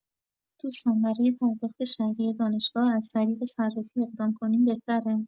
دوستان برای پرداخت شهریه دانشگاه از طریق صرافی اقدام کنیم بهتره؟